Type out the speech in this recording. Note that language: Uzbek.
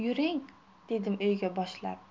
yuring dedim uyga boshlab